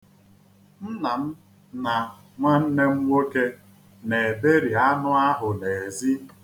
Nna m na nwanne m nwoke na-eberi anụ ahụ n'ezi.